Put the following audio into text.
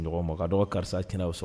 ɲɔgɔn maa ka dɔgɔ karisa tɛna o sɔ